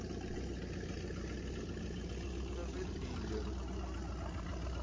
покажи триллеры